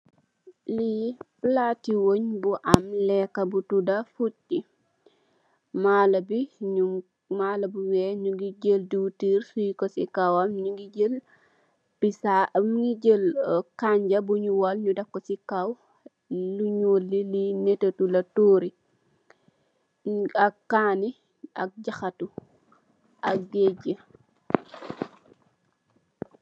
Li palaati wènn bu am lekka bu tuda foti. Malo bi nung, malo bu weeh nungi jël diwtirr suyè ko chi kawam, nungi jël kanja bun wal def ko ci kaw. Li ñuul li, li nètètu la, tori ak kani ak jahatu ak gèjè.